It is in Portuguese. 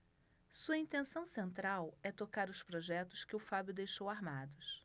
sua intenção central é tocar os projetos que o fábio deixou armados